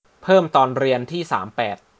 เพิ่มตอนเรียนที่สามแปด